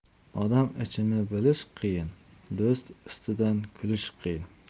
odam ichini bilish qiyin do'st ustidan kulish qiyin